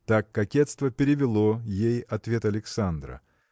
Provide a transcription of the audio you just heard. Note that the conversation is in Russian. Так кокетство перевело ей ответ Александра